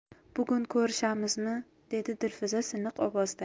bugun ko'rishamizmi dedi dilfuza siniq ovozda